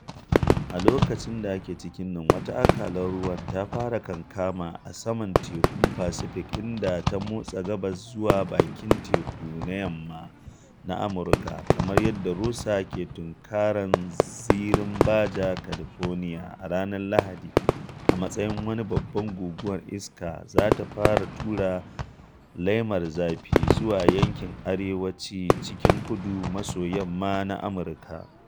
A lokacin da ake cikin nan, wata akalar ruwan ta fara kankama a saman Tekun Pacific inda ta motsa gabas zuwa Bakin Teku na Yamma na Amurka. Kamar yadda Rosa ke tunkaran zirin Baja California a ranar Litinin a matsayin wani babbar guguwar iska za ta fara tura laimar zafi zuwa yankin arewaci cikin kudu-maso-yamma na Amurka.